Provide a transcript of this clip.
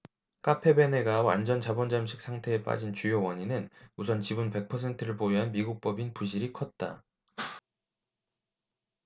카페베네가 완전자본잠식 상태에 빠진 주요 원인은 우선 지분 백 퍼센트를 보유한 미국법인 부실이 컸다